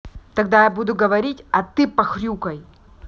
тогда я буду говорить а ты похрюкай